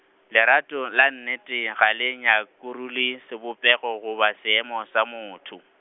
lerato la nnete ga le nyakurele, sebopego goba seemo sa motho.